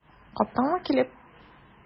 Каптыңмы килеп?